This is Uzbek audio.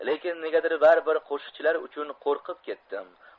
lekin negadir baribir qo'shiqchilar uchun qo'rqib ketdim